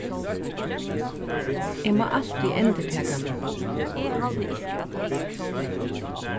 eg má altíð endurtaka meg